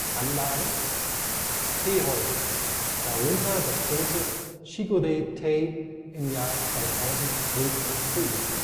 Anlagen: Teehäuser, darunter das große " Shigure-tei ", im Jahr 2000 rekonstruiert